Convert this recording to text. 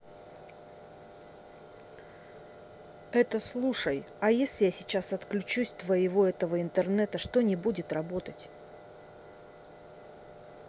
это слушай а если я сейчас отключусь твоего этого интернета что не будет работать